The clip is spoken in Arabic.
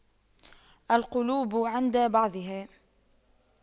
القلوب عند بعضها